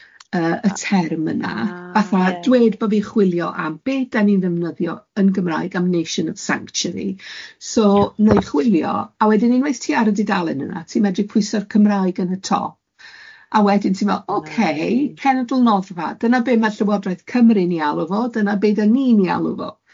Yy y term yna... A ie. ....fatha dwed bo' fi chwilio am be dan ni'n defnyddio yn Gymraeg am nation of sanctuary so wnai chwilio a wedyn unwaith ti ar y dudalen yna ti'n medru pwyso'r Cymraeg yn y top, a wedyn ti'n meddwl oce cenedl noddfa dyna be ma' Llywodraeth Cymru'n ei alw fo dyna be dan ni'n ei alw fo.